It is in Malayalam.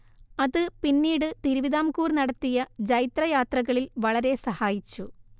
അത് പിന്നീട് തിരുവിതാംകൂർ നടത്തിയ ജൈത്രയാത്രകളിൽ വളരെ സഹായിച്ചു